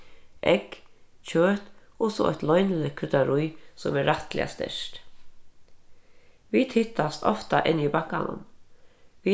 egg kjøt og so eitt loyniligt kryddarí sum er rættiliga sterkt vit hittast ofta inni í bankanum